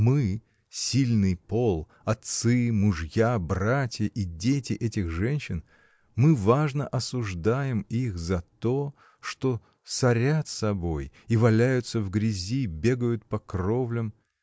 Мы, сильный пол, отцы, мужья, братья и дети этих женщин, мы важно осуждаем их за то, что сорят собой и валяются в грязи, бегают по кровлям.